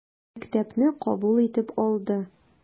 Мәктәпне кабул итеп алды.